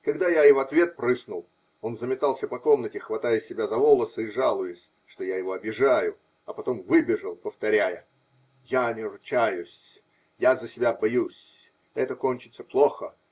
Когда я и в ответ прыснул, он заметался по комнате, хватая себя за волосы и жалуясь, что я его обижаю, а потом выбежал, повторяя: -- Я не ручаюсь. Я за себя боюсь. Это кончится плохо.